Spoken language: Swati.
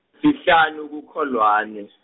sihlanu kuKholwane.